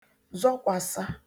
zọkwàsa